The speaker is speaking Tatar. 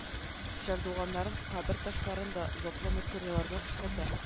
Чардуганнарын кабер ташларын да затлы материаллардан эшләтә